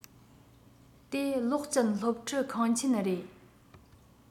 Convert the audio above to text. དེ གློག ཅན སློབ ཁྲིད ཁང ཆེན རེད